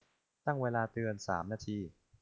ตั้งเวลาเตือนสามนาที